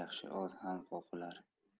yaxshi ot ham qoqilar